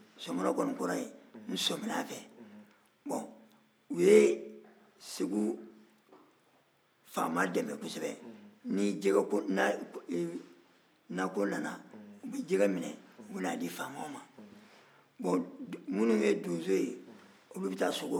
ni nako nana u bɛ jɛgɛ minɛ u bɛ n'a di faama ma minnu ye donso ye u bɛ taa sogo faga ka n'a di faama ma